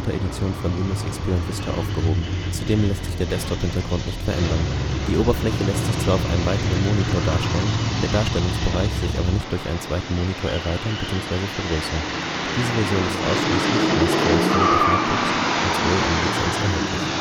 Starter-Editionen von Windows XP und Vista aufgehoben. Zudem lässt sich der Desktophintergrund nicht verändern. Die Oberfläche lässt sich zwar auf einem weiteren Monitor darstellen, der Darstellungsbereich sich aber nicht durch einen zweiten Monitor erweitern bzw. vergrößern. Diese Version ist ausschließlich (meist vorinstalliert auf Netbooks) als OEM-Lizenz erhältlich